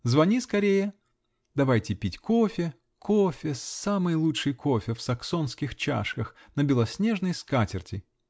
Звони скорее! Давайте пить кофе, кофе -- самый лучший кофе -- в саксонских чашках, на белоснежной скатерти!